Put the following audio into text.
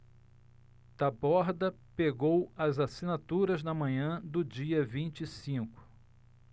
taborda pegou as assinaturas na manhã do dia vinte e cinco